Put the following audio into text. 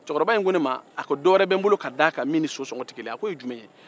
cɛkɔrɔba in ko ne ma o ko dɔwɛrɛ bɛ n bolo ka d'i ma min ni so sɔgɔn tɛ kelen ye